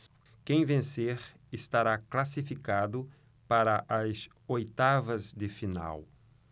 quem vencer estará classificado para as oitavas de final